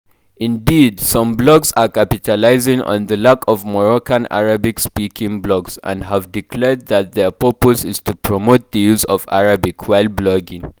Indeed, some blogs are capitalizing on the lack of Moroccan Arabic-speaking blogs and have declared that their purpose is to promote the use of Arabic while blogging.